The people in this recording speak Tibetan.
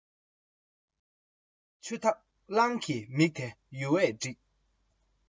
མེ ལོང མུན པའི གླིང དུ གསལ མདོག མེད